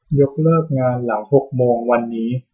ยกเลิกงานหลังหกโมงวันนี้